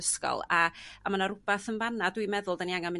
ysgol a a ma' 'na r'wbath yn fana dwi'n meddwl 'da ni angan mynd